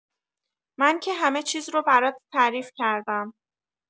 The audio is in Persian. من که همه چیز رو برات تعریف کردم.